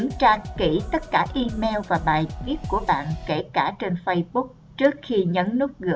kiểm tra kỹ tất cả các email và bài đăng của bạn trên facebook trước khi nhấn nút gửi